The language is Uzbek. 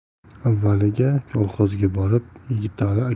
avvaliga kolxozga borib yigitali